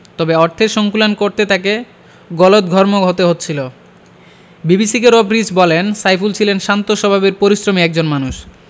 তবে অর্থের সংকুলান করতে তাঁকে গলদঘর্ম হতে হচ্ছিল বিবিসিকে রব রিজ বলেন সাইফুল ছিলেন শান্ত স্বভাবের পরিশ্রমী একজন মানুষ